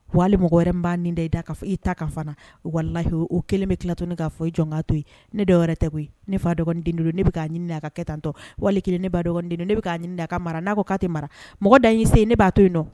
Wali mɔgɔ wɛrɛ n' da i da' fɔ i ta ka walayi o kelen bɛ tila to ne k' fɔ jɔn ka to ye ne dɔw tɛ koyi ne fa dɔgɔninden don ne k'a ɲini a ka kɛ tan tɔ wali kelen ne b ba dɔgɔninden don ne bɛ'a ɲini ka mara n'a ko' tɛ mara mɔgɔ da yse ne b'a to yen dɔn